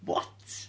What?